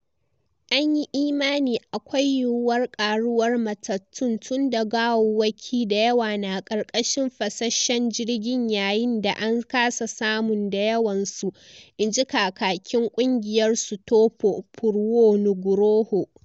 "An yi imani akwai yiwuwar karuwar matattun tunda gawawwaki da yawa na karkashin fasashshen jirgin yayin da an kasa samun da yawan su," in ji kakakin kungiyar Sutopo Purwo Nugroho.